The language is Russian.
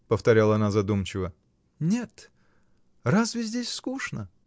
— повторяла она задумчиво, — нет! Разве здесь скучно?